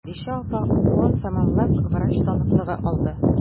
Хәдичә апа укуын тәмамлап, врач таныклыгы алды.